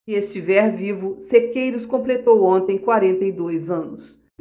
se estiver vivo sequeiros completou ontem quarenta e dois anos